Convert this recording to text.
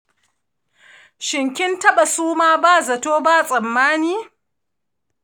shin kin taɓa suma ba zato ba tsammani?